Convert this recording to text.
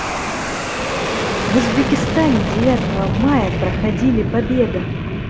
в узбекистане девятого мая проходили победа